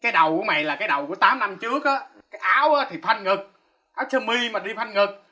cái đầu của mày là cái đầu của tám năm trước á cái áo thì phanh ngực áo sơ mi mà đi phanh ngực